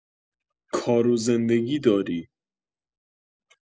کار و زندگی داری.